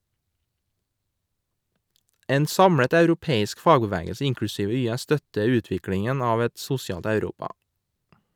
En samlet europeisk fagbevegelse, inklusive YS, støtter utviklingen av et sosialt Europa.